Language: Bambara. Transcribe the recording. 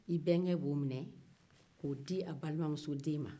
i bɛnkɛ bɛ o minɛ k'o di a balimamusoden ma